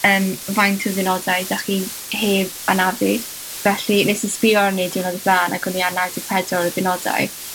yym, faint o ddiwrnodau 'dach chi heb anafu. Felly nes i sbïo arni diwrnod o bla'n, ac o'n iar naw deg pedwar o diwrnodau.